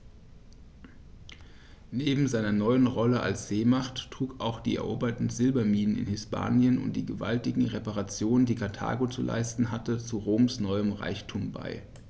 Neben seiner neuen Rolle als Seemacht trugen auch die eroberten Silberminen in Hispanien und die gewaltigen Reparationen, die Karthago zu leisten hatte, zu Roms neuem Reichtum bei.